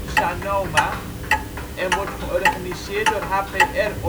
Sanoma en wordt georganiseerd door HPR Organisatie